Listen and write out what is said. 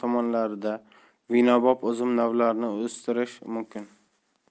tumanlarida vinobop uzum navlarini o'stirish mumkin